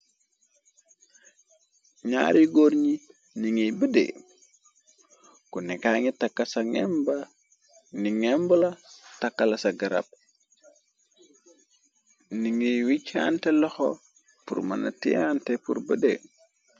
Ñyaari góor ñi ni ngiy bëdde ku neka ngi takka sa gmba ni ngembala takkala sa garab ni ngiy wichante loxo pur mëna tiante pur bëdde.